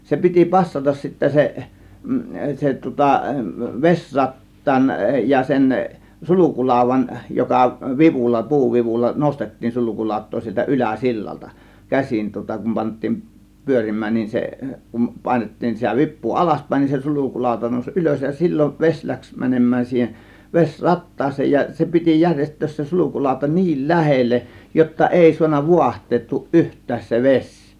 se piti passata sitten se se tuota vesirattaan ja sen sulkulaudan joka vivulla puuvivulla nostettiin sulkulautaa sieltä - yläsillalta käsin tuota kun pantiin pyörimään niin se kun painettiin sitä vipua alaspäin niin se sulkulauta nousi ylös ja silloin vesi lähti menemään siihen vesi rattaaseen ja se piti järjestää se sulkulauta niin lähelle jotta ei saanut vaahtoutua yhtään se vesi